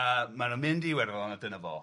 a a maen nhw'n mynd i Iwerddon a dyna fo.